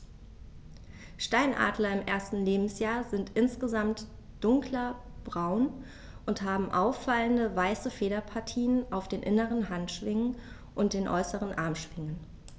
Steinadler im ersten Lebensjahr sind insgesamt dunkler braun und haben auffallende, weiße Federpartien auf den inneren Handschwingen und den äußeren Armschwingen.